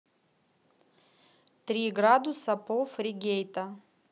три градуса по фригейта